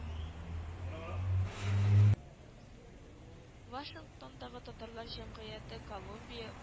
Вашингтондагы татарлар җәмгыяте Колумбия